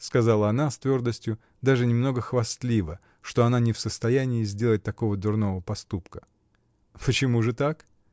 — сказала она с твердостью, даже немного хвастливо, что она не в состоянии сделать такого дурного поступка. — Почему же так?